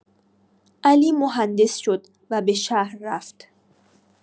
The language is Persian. علی مهندس شد و به شهر رفت.